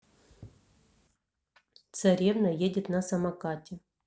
царевна едет на самокате